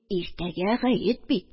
Иртәгә гает бит